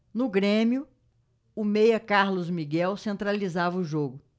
no grêmio o meia carlos miguel centralizava o jogo